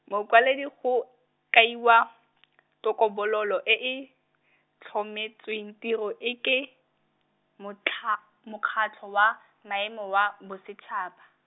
mokwaledi go, kaiwa , toko- bololo e e, tlhometsweng tiro e ke, motlha-, mokgatlho wa, maemo wa, bosetshaba.